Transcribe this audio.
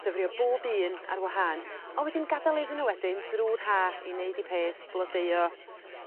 Dyfrio bob un ar wahân a wedyn gadel iddyn n'w wedyn drw'r Ha i wneud 'u peth blodeuo